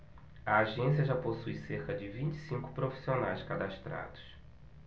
a agência já possui cerca de vinte e cinco profissionais cadastrados